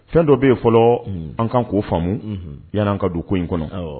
Fɛn dɔ bɛ yen fɔlɔ an kan k ko faamu yan'an ka don ko in kɔnɔ